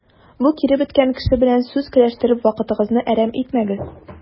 Бу киребеткән кеше белән сүз көрәштереп вакытыгызны әрәм итмәгез.